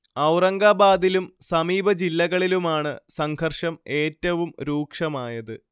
ഔറംഗാബാദിലും സമീപ ജില്ലകളിലുമാണ് സംഘർഷം ഏറ്റവും രൂക്ഷമായത്